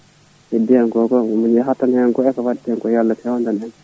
heddi hen goto yimɓe jahat tan e ko watte ko yo Allah fewnu